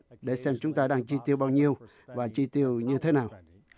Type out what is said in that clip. để xem chúng ta đang chi tiêu bao nhiêu và chi tiêu như thế nào